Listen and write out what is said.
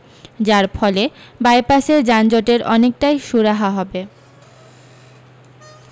যার ফলে বাইপাসের যানজটের অনেকটাই সুরাহা হবে